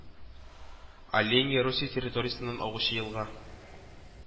Оленья Русия территориясеннән агучы елга